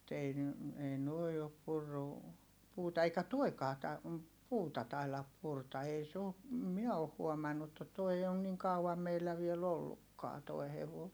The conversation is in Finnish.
mutta ei ne ei nuo ole purrut puuta eikä tuokaan - puuta taida purra ei se ole en minä ole huomannut mutta tuo ole niin kauan meillä vielä ollutkaan tuo hevonen